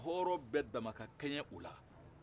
hɔrɔn bɛɛ dama ka kɛɲɛ o la